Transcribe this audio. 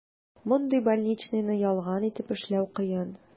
Мондый больничныйны ялган итеп эшләү кыен.